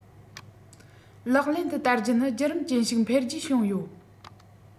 ལག ལེན དུ བསྟར རྒྱུ ནི རྒྱུད རིམ ཅན ཞིག འཕེལ རྒྱས བྱུང ཡོད